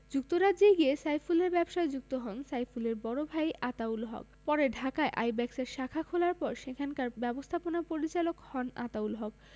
যুক্তরাজ্যে গিয়ে সাইফুলের ব্যবসায় যুক্ত হন সাইফুলের বড় ভাই আতাউল হক পরে ঢাকায় আইব্যাকসের শাখা খোলার পর সেখানকার ব্যবস্থাপনা পরিচালক হন আতাউল হক